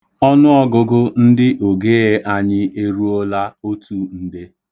Ọnụọgụgụ ndị ogee anyị eruola otu nde.